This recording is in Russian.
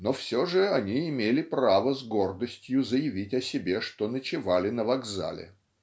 но все же они имели право с гордостью заявить о себе что ночевали на вокзале.